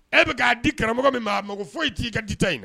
E bi ka di karamɔgɔ min ma , a mago foyi ti ka di ta in na.